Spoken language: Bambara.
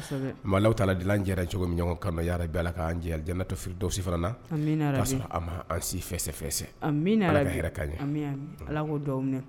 Maa cogo min ɲɔgɔntɔsi fana'a sɔrɔ sisɛ ka